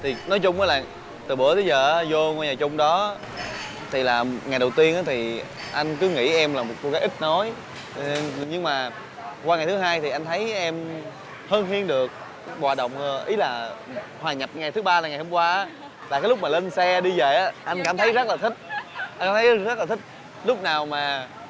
thì nói chung ấy là từ bữa tới giờ á dô ngôi nha chung đó thì là ngày đầu tiên á thì anh cứ nghĩ em là một cô gái ít nói nhưng mà qua ngày thứ hai thì anh thấy em hơn hiên được hòa đồng ý là hòa nhập ngày thứ ba là ngày hôm qua á là cái lúc mà lên xe đi dề á anh cảm thấy rất là thích anh thấy rất là thích lúc nào mà